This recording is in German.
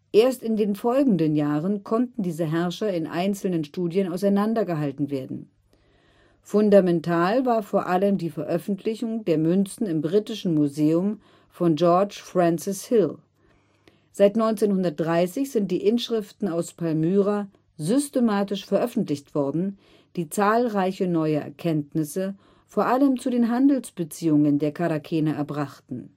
Erst in den folgenden Jahren konnten diese Herrscher in einzelnen Studien auseinander gehalten werden. Fundamental war vor allem die Veröffentlichung der Münzen im Britischen Museum von George Francis Hill. Seit 1930 sind die Inschriften aus Palmyra systematisch veröffentlicht worden, die zahlreiche neue Erkenntnisse, vor allem zu den Handelsbeziehungen der Charakene, erbrachten. Ein